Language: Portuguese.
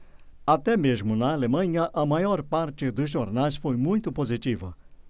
até mesmo na alemanha a maior parte dos jornais foi muito positiva